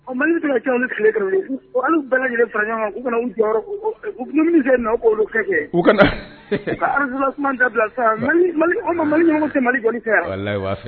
Mali tigɛ ca ni tile bɛɛ lajɛlen fa ɲɔgɔn u kana jɔyɔrɔ u k'olu kɛ kɛ u kana aliz da bila sa mali tɛ mali kɛ